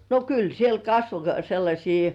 no kyllä siellä kasvoi sellaisia